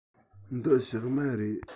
འདི ཕྱགས མ རེད